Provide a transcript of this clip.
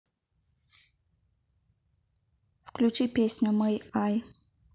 включи песню мэй ай